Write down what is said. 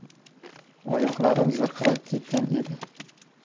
oyoqlarim zirqirab ketgan edi